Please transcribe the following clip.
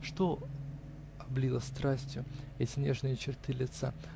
что облило страстью эти нежные черты лица?